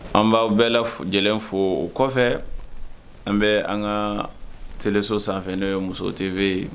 An b'aw bɛɛ lajɛlen fo, o kɔfɛ an bɛ an ka teleso sanfɛ n'o ye muso tv ye.